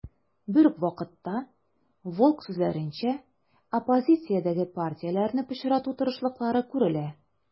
Берүк вакытта, Волк сүзләренчә, оппозициядәге партияләрне пычрату тырышлыклары күрелә.